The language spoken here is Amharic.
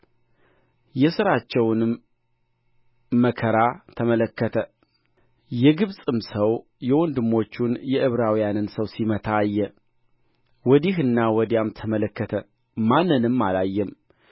የሥራቸውንም መከራ ተመለከተ የግብፅም ሰው የወንድሞቹን የዕብራውያንን ሰው ሲመታ አየ ወዲህና ወዲያም ተመለከተ ማንንም አላየም